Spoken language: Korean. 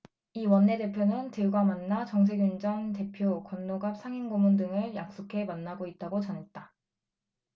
이 원내대표는 들과 만나 정세균 전 대표 권노갑 상임고문 등을 약속해 만나고 있다고 전했다